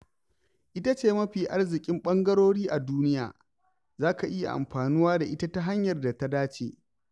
Ita ce mafi arziƙin ɓangarori a duniya. Za ka iya amfanuwa da ita ta hanyar da ta dace.